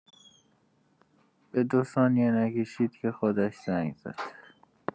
به دو ثانیه نکشید که خودش زنگ زد!